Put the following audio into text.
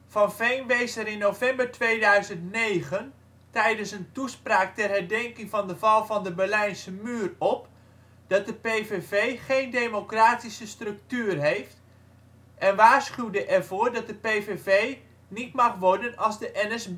Van Veen wees er in november 2009 tijdens een toespraak ter herdenking van de val van de Berlijnse Muur op dat de PVV geen democratische structuur heeft en waarschuwde ervoor dat de PVV niet mag worden als de NSB